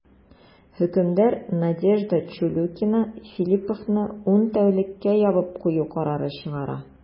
Хөкемдар Надежда Чулюкина Филлиповны ун тәүлеккә ябып кую карары чыгара.